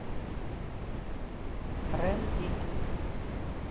рэм дигги